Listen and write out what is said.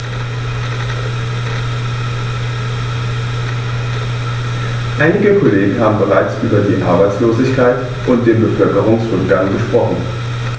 Einige Kollegen haben bereits über die Arbeitslosigkeit und den Bevölkerungsrückgang gesprochen.